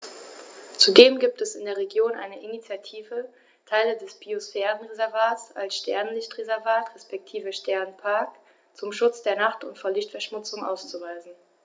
Zudem gibt es in der Region eine Initiative, Teile des Biosphärenreservats als Sternenlicht-Reservat respektive Sternenpark zum Schutz der Nacht und vor Lichtverschmutzung auszuweisen.